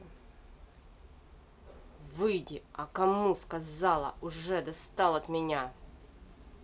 выйди а кому сказала уже достал от меня